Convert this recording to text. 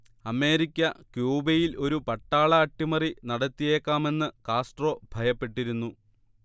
America ക്യൂബയിൽ ഒരു പട്ടാള അട്ടിമറി നടത്തിയേക്കാമെന്ന് കാസ്ട്രോ ഭയപ്പെട്ടിരുന്നു